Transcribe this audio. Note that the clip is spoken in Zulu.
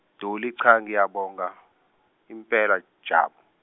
Dolly cha ngiyabonga, impela Jabu.